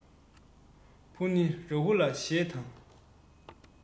བུ ནི རཱ ཧུ ལ ཞེས དང